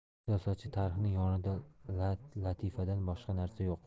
siyosatchi tarixining yonida latifadan boshqa narsa yo'q